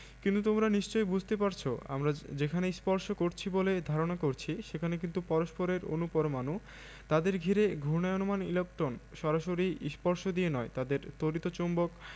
কিন্তু তোমরা নিশ্চয়ই বুঝতে পারছ আমরা যেখানে স্পর্শ করছি বলে ধারণা করছি সেখানে কিন্তু পরস্পরের অণু পরমাণু তাদের ঘিরে ঘূর্ণায়মান ইলেকট্রন সরাসরি স্পর্শ দিয়ে নয় তাদের তড়িৎ চৌম্বক